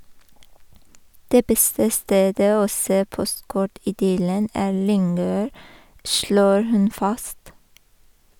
- Det beste stedet å se postkort-idyllen, er Lyngør, slår hun fast.